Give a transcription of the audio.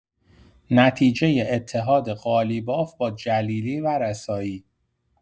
نتیجه اتحاد قالیباف با جلیلی و رسایی